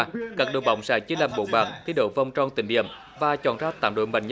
các đội bóng sẽ chia làm bốn bảng thi đấu vòng tròn tính điểm và chọn ra tám đội mạnh